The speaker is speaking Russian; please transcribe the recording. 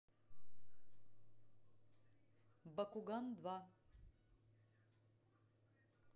бакуган два